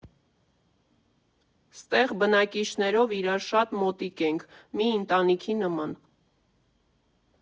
Ստեղ բնակիչներով իրար շատ մոտիկ ենք՝ մի ընտանիքի նման։